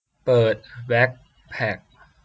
เปิดแบคแพ็ค